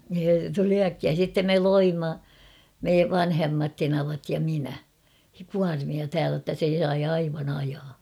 se tuli äkkiä sitten me loimme me vanhemmat tenavat ja minä kuormia täällä että se sai aivan ajaa